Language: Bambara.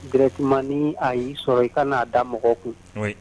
Gɛrɛtimani a y'i sɔrɔ i ka n'a da mɔgɔ kun